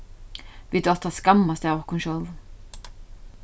vit áttu at skammast av okkum sjálvum